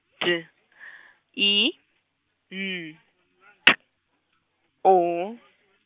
D I N K O.